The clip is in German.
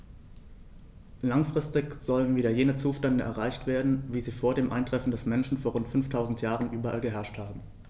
Langfristig sollen wieder jene Zustände erreicht werden, wie sie vor dem Eintreffen des Menschen vor rund 5000 Jahren überall geherrscht haben.